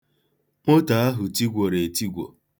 Moto ahụ tigworo etigwo.